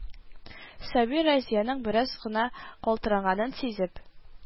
Сабир, Разиянең бераз гына калтыранганын сизеп: